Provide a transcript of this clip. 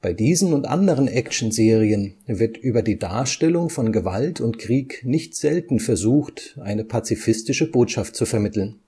diesen und anderen Actionserien wird über die Darstellung von Gewalt und Krieg nicht selten versucht, eine pazifistische Botschaft zu vermitteln